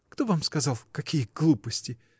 — Кто вам сказал, какие глупости!